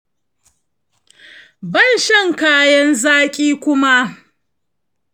ban shan kaya zaƙi kuma.